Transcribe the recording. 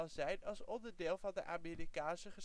zijn als onderdeel van de Amerikaanse